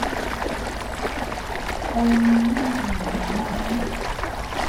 เติมน้ำในอ่างอาบน้ำ